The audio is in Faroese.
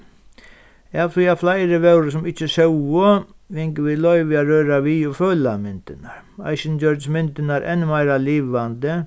av tí at fleiri vóru sum ikki sóu fingu vit loyvi at røra við og føla myndirnar eisini gjørdust myndirnar enn meira livandi